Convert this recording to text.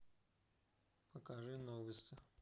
покажи новости